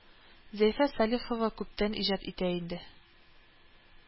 Зәйфә Салихова күптән иҗат итә инде